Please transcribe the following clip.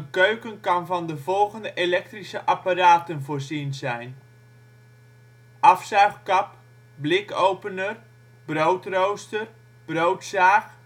keuken kan van de volgende (elektrische) apparaten voorzien zijn: Afzuigkap Blikopener Broodrooster Broodzaag